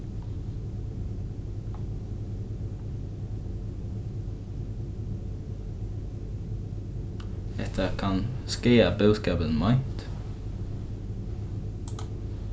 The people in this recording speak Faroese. hetta kann skaða búskapin meint